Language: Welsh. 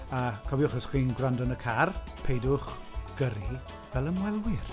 A cofiwch os 'y chi'n gwrando yn y car, peidiwch gyrru fel ymwelwyr.